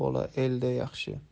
er bola elda yaxshi